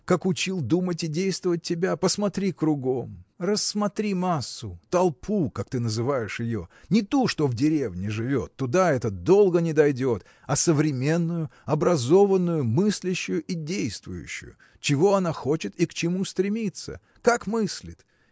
как учил думать и действовать тебя?. Посмотри кругом рассмотри массу – толпу как ты называешь ее – не ту что в деревне живет туда это долго не дойдет а современную образованную мыслящую и действующую чего она хочет и к чему стремится? как мыслит?